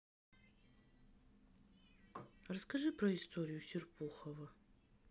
расскажи про историю серпухова